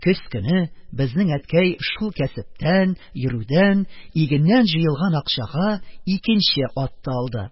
Көз көне безнең әткәй шул кәсептән, йөрүдән, игеннән җыелган акчага икенче ат та алды.